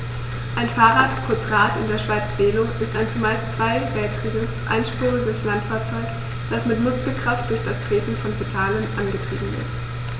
Ein Fahrrad, kurz Rad, in der Schweiz Velo, ist ein zumeist zweirädriges einspuriges Landfahrzeug, das mit Muskelkraft durch das Treten von Pedalen angetrieben wird.